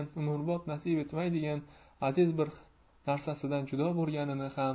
umrbod nasib etmaydigan aziz bir narsasidan judo bolganini ham